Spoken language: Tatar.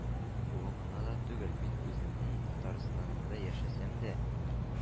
Ул гына да түгел, мин үземнең Татарстанымда яшәсәм дә,